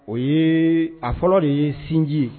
O yee a fɔlɔ de ye sinji